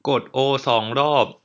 กดโอสองรอบ